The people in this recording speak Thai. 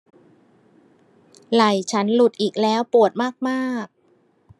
ไหล่ฉันหลุดอีกแล้วปวดมากมาก